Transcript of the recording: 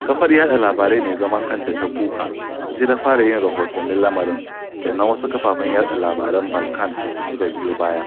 Kafar yaɗa labarai mai zaman kanta ta Buka ita ta fara yin rahoton lamarin, sannan wasu kafafen yaɗa labaran Balkan suna biyo baya.